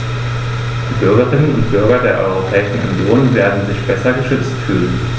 Die Bürgerinnen und Bürger der Europäischen Union werden sich besser geschützt fühlen.